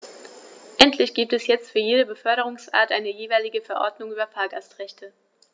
Endlich gibt es jetzt für jede Beförderungsart eine jeweilige Verordnung über Fahrgastrechte.